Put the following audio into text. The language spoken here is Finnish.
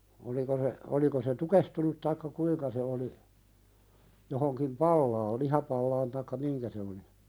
oliko se oliko se tukehtunut tai kuinka se oli johonkin palaan lihapalaan tai mihinkä se oli